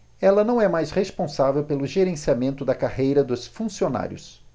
ela não é mais responsável pelo gerenciamento da carreira dos funcionários